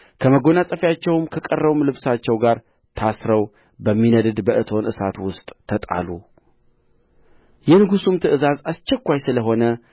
ከመጐናጸፊያቸውም ከቀረውም ልብሳቸው ጋር ታስረው በሚነድድ በእቶን እሳት ውስጥ ተጣሉ የንጉሡም ትእዛዝ አስቸኳይ ስለሆነ